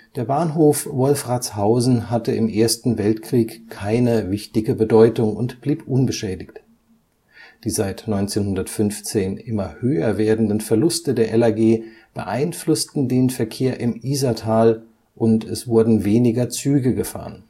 Der Bahnhof Wolfratshausen hatte im Ersten Weltkrieg keine wichtige Bedeutung und blieb unbeschädigt. Die seit 1915 immer höher werdenden Verluste der LAG beeinflussten den Verkehr im Isartal und es wurden weniger Züge gefahren